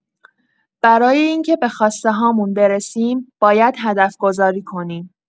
برای این که به خواسته‌هامون برسیم، باید هدف‌گذاری کنیم.